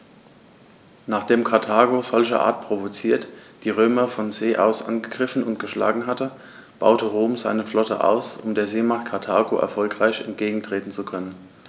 Nachdem Karthago, solcherart provoziert, die Römer von See aus angegriffen und geschlagen hatte, baute Rom seine Flotte aus, um der Seemacht Karthago erfolgreich entgegentreten zu können.